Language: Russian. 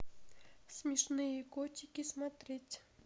смешные котики смотреть